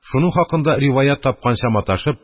Шуның хакында ривайәт тапканча маташып,